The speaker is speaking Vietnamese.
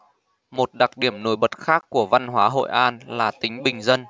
một đặc điểm nổi bật khác của văn hóa hội an là tính bình dân